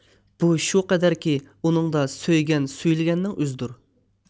بۇ شۇ قەدەركى ئۇنىڭدا سۆيگەن سۆيۈلگەننىڭ ئۆزىدۇر